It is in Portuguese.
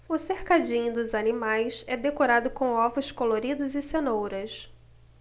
o cercadinho dos animais é decorado com ovos coloridos e cenouras